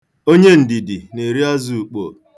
Onye ndidi na-eri azụ ukpoo.